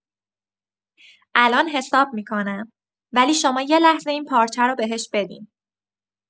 الان حساب می‌کنم، ولی شما یه لحظه این پارچه رو بهش بدین.